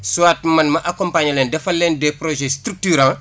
soit man ma accompagner leen defal leen des projets structurants